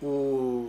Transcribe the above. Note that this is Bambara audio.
H